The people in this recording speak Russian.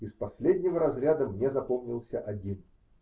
Из последнего разряда мне запомнился один.